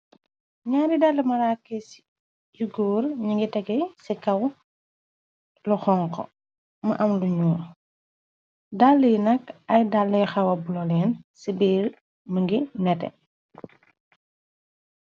Naari dall marake yu góor ñingi tege ci kaw lu xonxo mu am lu ñuul, dall yi nak ay dalliy xawa bulo leen ci biir më ngi nete.